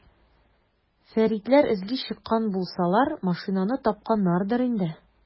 Фәритләр эзли чыккан булсалар, машинаны тапканнардыр инде.